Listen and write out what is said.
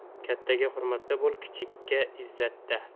kattaga hurmatda bo'l kichikka izzatda